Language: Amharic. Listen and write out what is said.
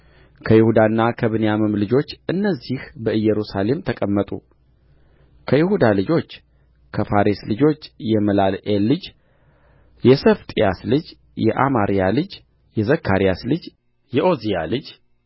ከይሁዳና ከብንያምም ልጆች እነዚህ በኢየሩሳሌም ተቀመጡ ከይሁዳ ልጆች ከፋሬስ ልጆች የመላልኤል ልጅ የሰፋጥያስ ልጅ የአማርያ ልጅ የዘካርያስ ልጅ የዖዝያ ልጅ